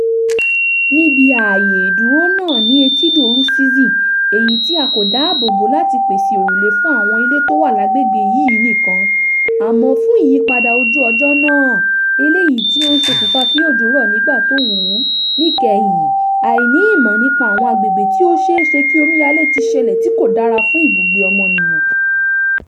Níbi ààyè ìdúró náà ni etídò Rusizi èyí tí a kò dáàbò bò lati pèsè òrùlé fún àwọn ilé tó wà lágbègbè yìí nìkan; àmọ́ fún ìyípadà ojú ọjọ́ náà, eléyìí tí ó ń ṣokùnfà kí òjò rọ̀ nígbà tó wùú, níkẹyìn, àìní ìmọ̀ nípa àwọn àgbègbè tí ó ṣeé ṣe kí omíyalé ti ṣẹlẹ̀ tí kò dára fún ibùgbé ọmọniyàn.